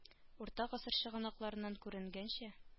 Урта гасыр чыганакларыннан күренгәнчә